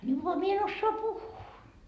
niin vaan minä en osaa puhua